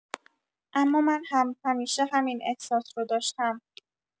اما من هم همیشه همین احساس رو داشتم.